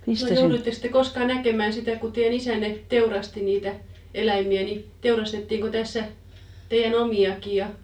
no jouduittekos te koskaan näkemään sitä kun teidän isänne teurasti niitä eläimiä niin teurastettiinko tässä teidän omiakin ja